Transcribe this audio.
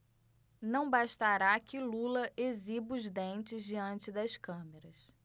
não bastará que lula exiba os dentes diante das câmeras